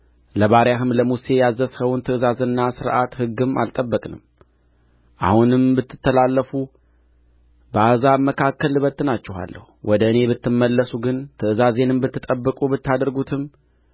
ለባሪያህም ለሙሴ ያዘዝኸውን ትእዛዝና ሥርዓት ሕግም አልጠበቅንም አሁንም ብትተላለፉ በአሕዛብ መካከል እበትናችኋለሁ ወደ እኔ ብትመለሱ ግን ትእዛዜንም ብትጠብቁ ብታደርጓትም